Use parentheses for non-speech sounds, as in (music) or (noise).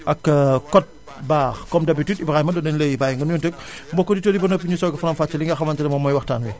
ak (hesitation) code barre comme d' habitude Ibrahima dinañu la bàyyi nga nuyuwante ak mbokki auditeur yi ba noppi ñu soog a faram fàcce li nga xamante ne moom mooy waxtaan wi